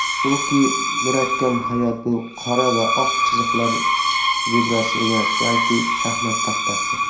haruki murakami hayot bu qora va oq chiziqlar zebrasi emas balki shaxmat taxtasi